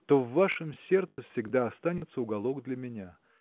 то в вашем сердце всегда останется уголок для меня“.